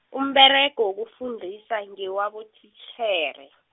umberego wokufundisa, ngewabotitjhere .